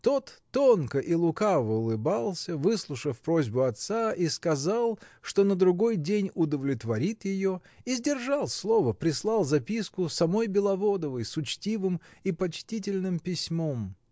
Тот тонко и лукаво улыбался, выслушав просьбу отца, и сказал, что на другой день удовлетворит ее, и сдержал слово, прислал записку самой Беловодовой, с учтивым и почтительным письмом.